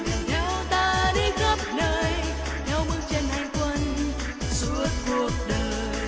đàn theo ta đi khắp nơi theo bước chân hành quân suốt cuộc đời